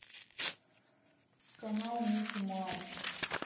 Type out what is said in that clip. канал микки маус